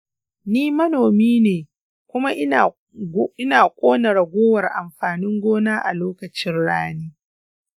ni manomi ne kuma ina kona ragowar amfanin gona a lokacin rani.